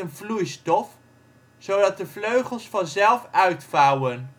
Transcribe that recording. vloeistof, zodat de vleugels vanzelf uitvouwen